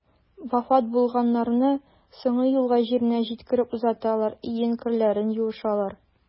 Вафат булганнарны соңгы юлга җиренә җиткереп озаталар, өен, керләрен юышалар.